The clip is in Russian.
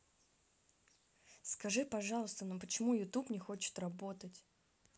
скажи пожалуйста ну почему youtube не хочет работать